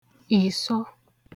ìsọ